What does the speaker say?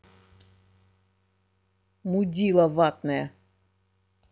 мудила ватная